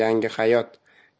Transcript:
yangi hayot